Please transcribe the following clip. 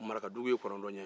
marakadugu ye kɔnɔntɔn ye